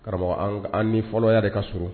Karamɔgɔ an an ni fɔlɔya ka surun